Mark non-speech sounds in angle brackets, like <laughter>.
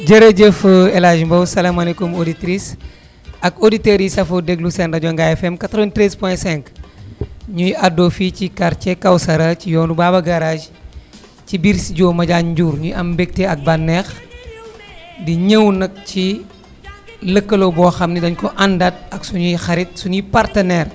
jërëjëf <hesitation> El Hadj Mbow salaamualeykum auditrices <music> ak auditeurs yiy safoo déglu seen rajo Ngaye FM 93.5 <noise> ñuy àddoo fii ci quartier Kawsara ci yoonu Baba garage <music> ci biir studio Madiagne Ndiour ñuy am mbégte ak bànneex <music> di ñëw nag ci lëkkaloo boo xam ne dañu ko àndaat ak suñuy xarit suñuy partenaires <music>